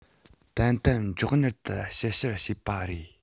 ཏན ཏན མགྱོགས མྱུར དུ ཞིབ བཤེར བྱས པ རེད